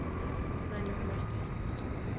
Nein, das möchte ich nicht.